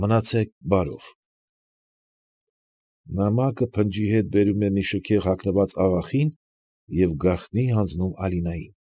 Մնացեք բարով… Նամակը փնջի հետ բերում է մի շքեղ հագնված աղախին և գաղտնի հանձնում է Ալինային։